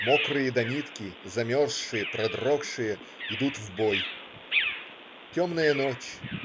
Мокрые до нитки, замерзшие, продрогшие - идут в бой. Темная ночь.